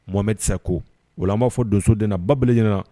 Momɛ tɛ se ko wala b'a fɔ donsod bab ɲɛnaina